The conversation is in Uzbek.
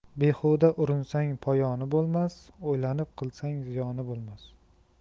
behuda urinsang poyoni bo'lmas o'ylanib qilsang ziyoni bo'lmas